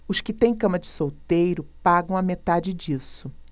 os que têm cama de solteiro pagam a metade disso